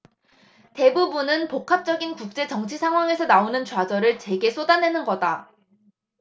대부분은 복합적인 국제 정치 상황에서 나오는 좌절을 제게 쏟아내는 거다